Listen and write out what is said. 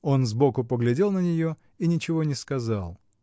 Он сбоку поглядел на нее и ничего не сказал.